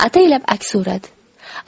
ataylab aksa uradi